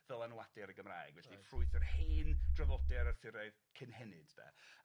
ddylanwadu ar y Gymraeg felly ffrwyth yr hen drafodiad Arthuraidd cynhenid 'de